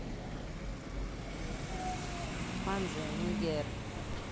panther нигер